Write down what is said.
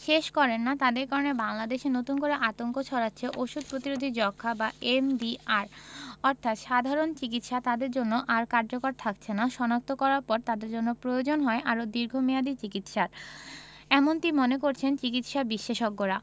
শেষ করেন না তাদের কারণে বাংলাদেশে নতুন করে আতঙ্ক ছড়াচ্ছে ওষুধ প্রতিরোধী যক্ষ্মা বা এমডিআর অর্থাৎ সাধারণ চিকিৎসা তাদের জন্য আর কার্যকর থাকছেনা শনাক্ত করার পর তাদের জন্য প্রয়োজন হয় আরও দীর্ঘমেয়াদি চিকিৎসার এমনটিই মনে করছেন চিকিৎসাবিশেষজ্ঞরা